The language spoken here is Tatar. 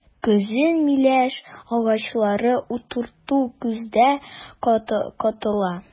Көзен миләш агачлары утырту күздә тотыла.